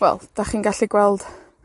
Wel, 'dach chi'n gallu gweld